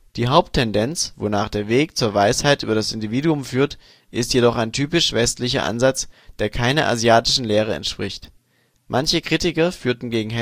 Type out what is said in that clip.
Die Haupttendenz, wonach der Weg zur Weisheit über das Individuum führt, ist jedoch ein typisch westlicher Ansatz, der keiner asiatischen Lehre entspricht. Manche Kritiker führten gegen